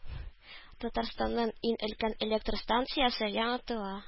Татарстанның иң өлкән электр станциясе яңартыла